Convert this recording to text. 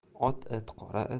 oq it qora